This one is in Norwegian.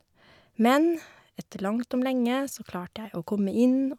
Men etter langt om lenge så klarte jeg å komme inn.